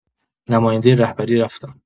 نماینده رهبری رفتن